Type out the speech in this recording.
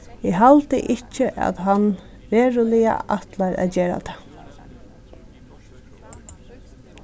eg haldi ikki at hann veruliga ætlar at gera tað